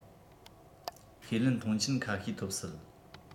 ཁས ལེན མཐོང ཆེན ཁ ཤས ཐོབ སྲིད